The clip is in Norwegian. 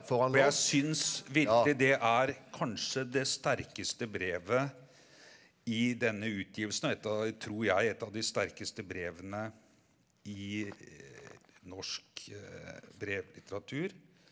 for jeg synes virkelig det er kanskje det sterkeste brevet i denne utgivelsen og et av tror jeg er et av de sterkeste brevene i norsk brevlitteratur.